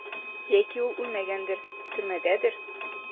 Яки ул үлмәгәндер, төрмәдәдер?